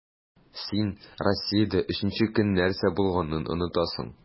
Син Россиядә өченче көн нәрсә булганын онытасың.